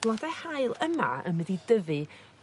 blode haul yma yn mynd i dyfi